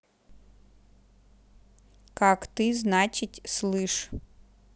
как ты значить слышь